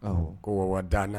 Ko wa' la